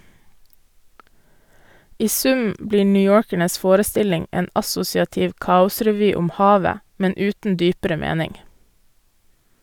I sum blir newyorkernes forestilling en assosiativ kaosrevy om havet, men uten dypere mening.